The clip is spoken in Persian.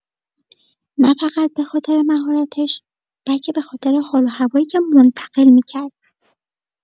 نه‌فقط به‌خاطر مهارتش، بلکه به‌خاطر حال‌وهوایی که منتقل می‌کرد.